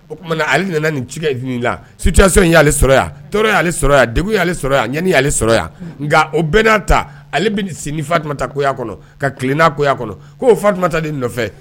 O tumaumana ale nana nin ci suse y'ale sɔrɔ toale sɔrɔ deale sɔrɔ ɲani'ale sɔrɔ nka o bɛnna ta ale sen fatumata koya kɔnɔ ka tilenna koya kɔnɔ ko o fatumatali nɔfɛ